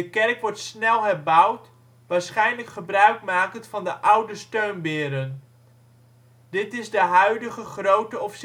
kerk wordt snel herbouwd, waarschijnlijk gebruik makend van de oude steunberen. Dit is de huidige Grote of